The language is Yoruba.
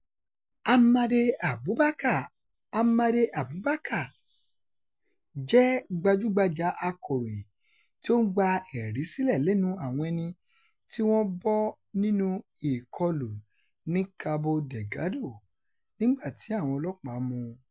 Amade Abubacar Amade Abubacar jẹ́ gbajúgbajà akọ̀ròyìn tí ó ń gba ẹ̀rí sílẹ̀ lẹ́nu àwọn ẹni tí wọ́n bọ́ nínú ìkọlù ní Cabo Delgado nígbà tí àwọn ọlọ́pàá mú un.